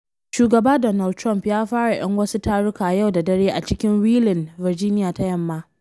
Shugaba Donald Trump ya fara ‘yan wasu taruka yau da dare a cikin Wheeling, Virginia ta Yamma.